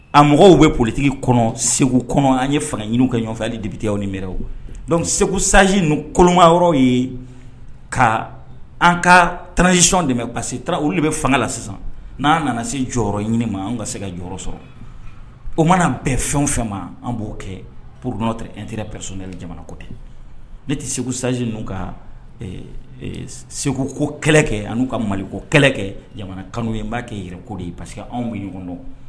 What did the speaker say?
A mɔgɔw bɛ politigi kɔnɔ segu kɔnɔ an ye fanga ɲini kɛ ɲɔgɔnfɛ alebite aw ni miw dɔn segu saji ninnu kolonkan yɔrɔw ye ka an ka tsisi de parce taara olu de bɛ fanga la sisan n'an nana se jɔyɔrɔ ɲini ma an ka se ka jɔyɔrɔ sɔrɔ o mana bɛɛ fɛn fɛn ma an b'o kɛ pd tɛ ant psɛ jamanako tɛ ne tɛ seguji n ka seguko kɛlɛ kɛ ani ka maliko kɛlɛ kɛ jamana kanuu ye n b'a kɛ yɛrɛ ko de ye parce que anw bɛ ɲɔgɔndɔn